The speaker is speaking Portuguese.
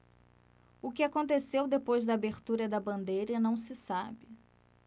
o que aconteceu depois da abertura da bandeira não se sabe